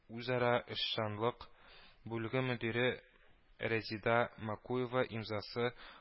Үзара эшчәнлек бүлеге мөдире резидә макуева имзасы